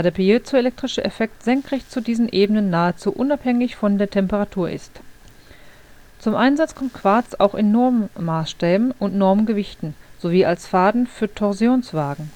piezoelektrische Effekt senkrecht zu diesen Ebenen nahezu unabhängig von der Temperatur ist. Zum Einsatz kommt Quarz auch in Normmaßstäben und Normgewichten, sowie als Faden für Torsionswaagen